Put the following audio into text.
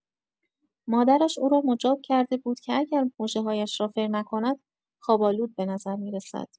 مادرش او را مجاب کرده بود که اگر مژه‌هایش را فر نکند خواب‌آلود به نظر می‌رسد.